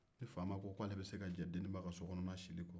ni faama ko k'ale bɛ se ka diɲɛ deniba ka sokɔnɔna sili kɔ